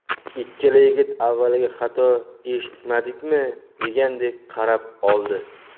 ikkala yigit avvaliga xato eshitmadikmi degandek qarab oldi